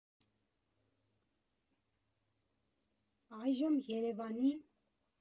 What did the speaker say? Այժմ Երևանի Սբ.